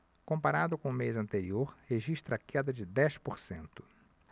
comparado com o mês anterior registra queda de dez por cento